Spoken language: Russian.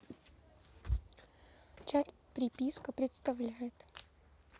чат приписка представляет